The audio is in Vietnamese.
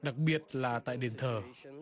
đặc biệt là tại đền thờ